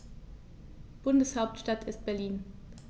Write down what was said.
Bundeshauptstadt ist Berlin.